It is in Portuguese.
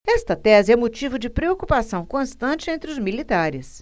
esta tese é motivo de preocupação constante entre os militares